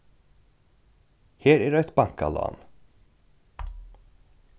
her er eitt bankalán